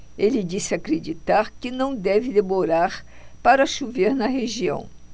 ele disse acreditar que não deve demorar para chover na região